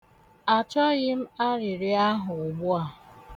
Achọghị m arịrịọ ahụ ugbu a.